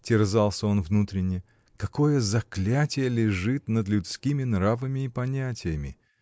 — терзался он внутренно, — какое заклятие лежит над людскими нравами и понятиями!